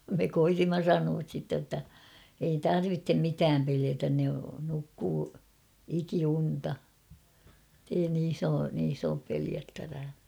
me koetimme sanoa sitten että ei tarvitse mitään pelätä ne nukkuu ikiunta että ei niissä ole niissä ole pelättävää